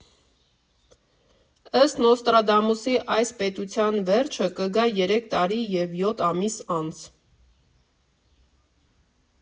Ըստ Նոստրադամուսի՝ այս պետության վերջը կգա երեք տարի և յոթ ամիս անց։